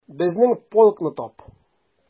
Безнең полкны тап...